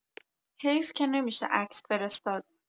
حیف که نمی‌شه عکس فرستاد